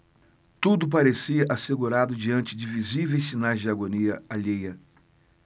tudo parecia assegurado diante de visíveis sinais de agonia alheia